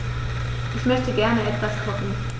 Ich möchte gerne etwas kochen.